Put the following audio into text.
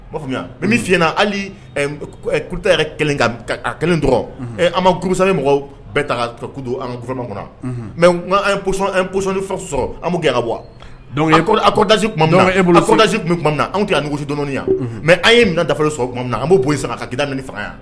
Oa min fiyɲɛna hali yɛrɛ kelen dɔrɔn an ma kumisa mɔgɔw bɛɛ tado anma kɔnɔ mɛsɔn sɔrɔ an bɛ gɛnwa kodasi bolozsi bɛ na anwanugususidɔn yan mɛ an ye minɛ dafa sɔrɔ tuma an b' bɔ san a ka kida faga yan